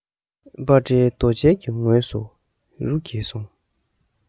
པ ཊའི རྡོ གཅལ གྱི ངོས ས རུ འགྱེལ སོང